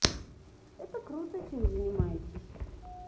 это круто чем занимаетесь